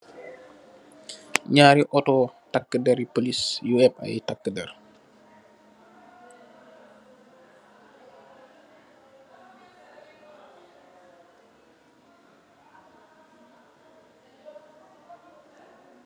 Nyaari auto, takderi police, yu eb aye takder.